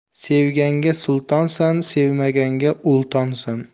sevganga sultonsan sevmaganga ultonsan